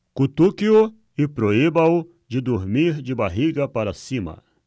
cutuque-o e proíba-o de dormir de barriga para cima